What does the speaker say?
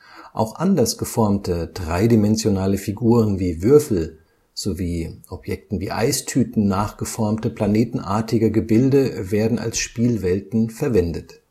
Auch anders geformte dreidimensionale Figuren wie Würfel, sowie Objekten wie Eistüten nachgeformte planetenartige Gebilde werden als Spielwelten verwendet